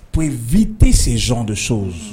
P v tɛ senson don so